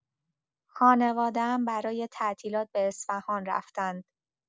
خانواده‌ام برای تعطیلات به اصفهان رفتند.